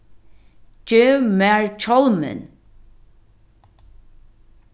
gev mær hjálmin